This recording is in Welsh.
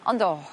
Ond o!